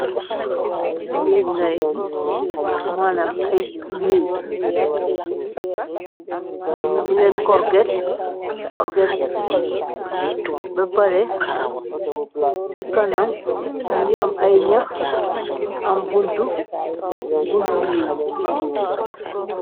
Neeg ngay gis , ma nam ay neeg, nu leen korget beapare ci kanam mu ngi am ay ñyiax am buntu wiiñ.